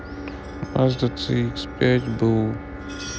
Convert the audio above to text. мазда ц икс пять бу